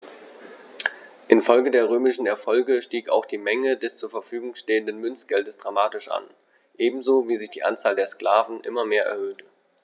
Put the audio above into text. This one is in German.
Infolge der römischen Erfolge stieg auch die Menge des zur Verfügung stehenden Münzgeldes dramatisch an, ebenso wie sich die Anzahl der Sklaven immer mehr erhöhte.